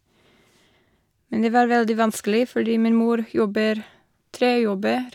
Men det var veldig vanskelig, fordi min mor jobber tre jobber.